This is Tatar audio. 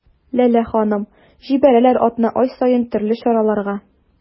Ләлә ханым: җибәрәләр атна-ай саен төрле чараларга.